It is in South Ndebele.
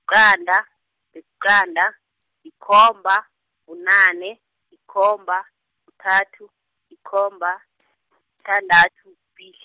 liqanda, liqanda, yikomba, bunane, yikomba, kuthathu, yikomba , sithandathu, kubili.